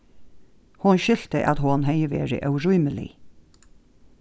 hon skilti at hon hevði verið órímilig